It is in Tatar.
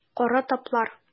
Кара таплар.